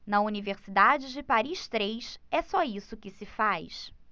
na universidade de paris três é só isso que se faz